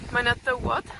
Mae 'na dywod.